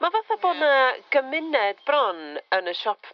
Ma' fatha bo' 'na gymuned bron yn y siop